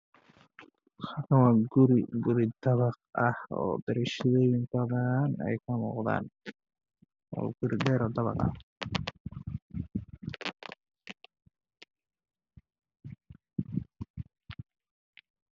Waa dabaq aada u dheer waxa uu ka kooban yahay toban biyaana waxa uu leeyahay daaqado midabkooda waa buluug daba qabaa jaalo